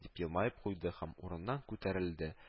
Дип елмаеп куйды һәм урыныннан күтәрелде